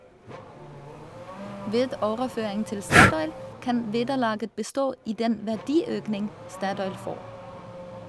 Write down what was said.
Ved overføring til Statoil kan vederlaget bestå i den verdiøkning Statoil får.